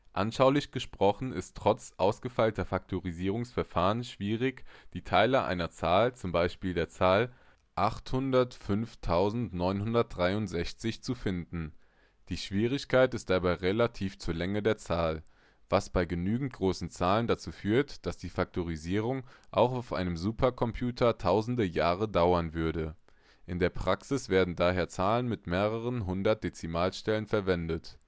Anschaulich gesprochen ist es trotz ausgefeilter Faktorisierungsverfahren schwierig, die Teiler einer Zahl, z. B. der Zahl 805963, zu finden. Die Schwierigkeit ist dabei relativ zur Länge der Zahl, was bei genügend großen Zahlen dazu führt, dass die Faktorisierung auch auf einem Supercomputer tausende Jahre dauern würde. In der Praxis werden daher Zahlen mit mehreren hundert Dezimalstellen verwendet